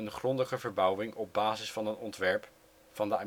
grondige verbouwing op basis van een ontwerp van